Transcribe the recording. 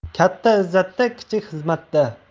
katta izzatda kichik xizmatda